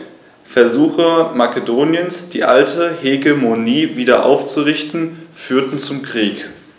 Versuche Makedoniens, die alte Hegemonie wieder aufzurichten, führten zum Krieg.